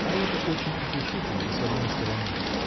а это очень утешительно с одной стороны!